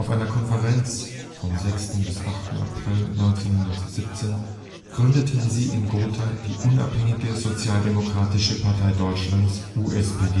einer Konferenz vom 6. bis 8. April 1917 gründeten sie in Gotha die Unabhängige Sozialdemokratische Partei Deutschlands (USPD